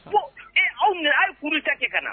Ko aw na aw ye kuru ta kɛ ka na